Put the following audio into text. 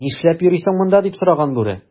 "нишләп йөрисең монда,” - дип сораган бүре.